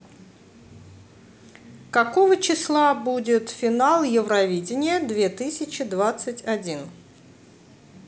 какого числа будет финал евровидения две тысячи двадцать один